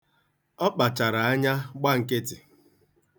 Ọ kpachara anya gba nkịtị.